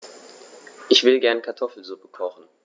Ich will gerne Kartoffelsuppe kochen.